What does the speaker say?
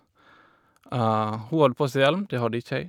Og hun hadde på seg hjelm, det hadde ikke jeg.